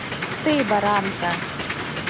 ты баранка